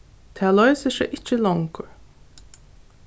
tað loysir seg ikki longur